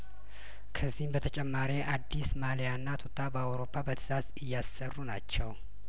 ከዚህም በተጨማሪ አዲስ ማሊያና ቱታ በአውሮፓ በትእዛዝ እያሰሩ ናቸው